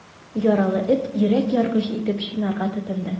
Яралы эт йөрәк яргыч итеп чинарга тотынды.